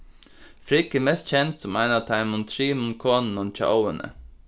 frigg er mest kend sum ein av teimum trimum konunum hjá óðini